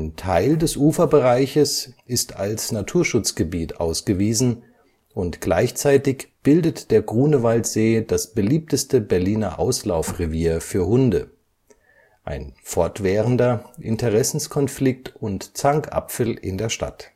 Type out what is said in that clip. Teil des Uferbereiches ist als Naturschutzgebiet ausgewiesen und gleichzeitig bildet der Grunewaldsee das beliebteste Berliner Auslaufrevier für Hunde – ein fortwährender Interessenkonflikt und Zankapfel in der Stadt